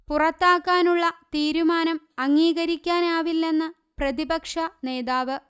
പുറത്താക്കാനുള്ള തീരുമാനം അംഗീകരിക്കാനാവില്ലെന്ന് പ്രതിപക്ഷനേതാവ്